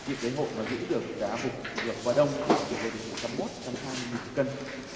những cái hộ mà giữ được cá vực vược qua đông ý thì có thể lên đến một trăm mốt trăm hai mươi nghìn một cân